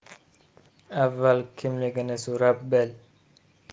avval kimligini so'rab bil